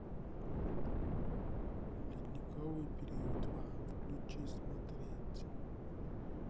ледниковый период два включи смотреть